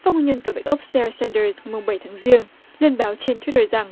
các nguyên nhân tòa bạch ốc seo sen đơ mùng bảy tháng giêng lên báo trên thuýt tờ rằng